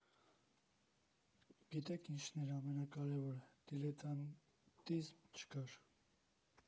«Գիտեք ինչն էր ամենակարևորը՝ դիլետանտիզմ չկար։